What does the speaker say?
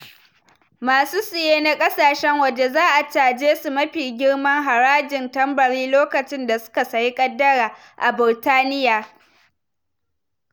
Masu saye na ƙasashen waje za a caje su mafi girman harajin tambari lokacin da suka sayi kadara a Burtaniya